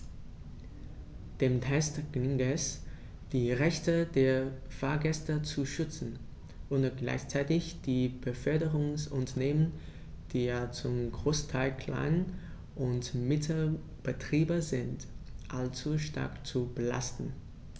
Dem Text gelingt es, die Rechte der Fahrgäste zu schützen, ohne gleichzeitig die Beförderungsunternehmen - die ja zum Großteil Klein- und Mittelbetriebe sind - allzu stark zu belasten.